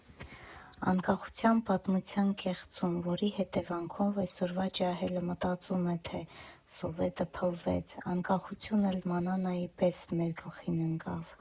Անկախության պատմության կեղծում, որի հետևանքով էսօրվա ջահելը մտածում է, թե Սովետը փլվեց, Անկախությունն էլ մանանայի պես մեր գլխին ընկավ։